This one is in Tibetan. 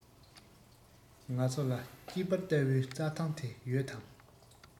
ང ཚོ ལ དཔྱིད དཔལ ལྟ བུའི རྩ ཐང དེ ཡོད དམ